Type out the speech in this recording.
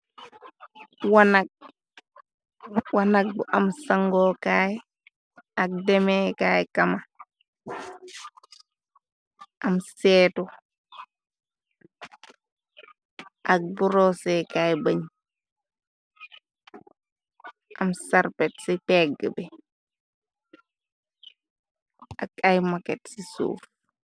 Wanak bu am sangokaay ak demekaay kama am seetu ak brosekaay bën am sarbet ci pegg bi ak ay moket ci suuf.